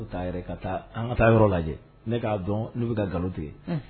N an ka taa yɔrɔ lajɛ ne k'a dɔn nu bɛ taa nkalonlo tigɛ